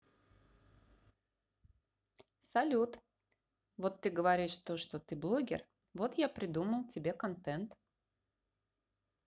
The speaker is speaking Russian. салют вот ты говоришь то что ты блогер вот я придумал тебе контент